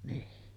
niin